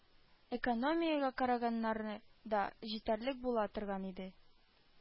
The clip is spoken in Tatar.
Экономиягә караганнары да җитәрлек була торган иде